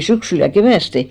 syksyllä ja keväästi